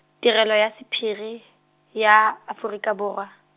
Tirelo ya Sephiri, ya, Aforika Borwa.